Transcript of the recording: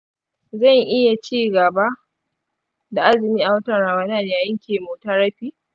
zan iya ci gaba da azumi a watan ramadan yayin chemotherapy?